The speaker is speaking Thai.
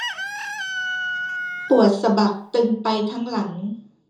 ปวดสะบักตึงไปทั้งหลัง